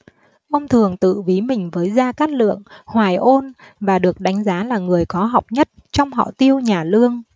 ông thường tự ví mình với gia cát lượng hoàn ôn và được đánh giá là người có học nhất trong họ tiêu nhà lương